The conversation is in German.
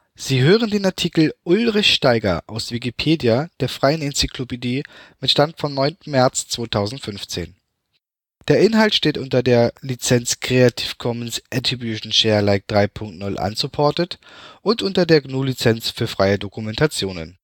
Sie hören den Artikel Ulrich Staiger, aus Wikipedia, der freien Enzyklopädie. Mit dem Stand vom Der Inhalt steht unter der Lizenz Creative Commons Attribution Share Alike 3 Punkt 0 Unported und unter der GNU Lizenz für freie Dokumentation